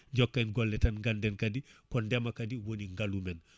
jokken golle tan ganden kadi ko ndeema kadi woni ngaalu men